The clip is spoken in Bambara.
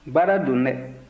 baara don dɛ